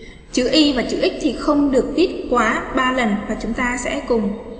chữ y là chữ x không được ít quá lần và chúng ta sẽ cùng